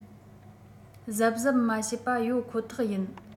གཟབ གཟབ མ བྱས པ ཡོད ཁོ ཐག ཡིན